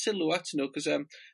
sylw atyn nhw 'c'os yym